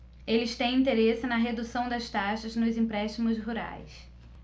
eles têm interesse na redução das taxas nos empréstimos rurais